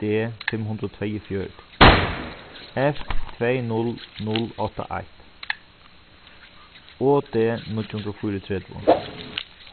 d fimm hundrað og tveyogfjøruti f tvey null null átta eitt o d níggju hundrað og fýraogtretivu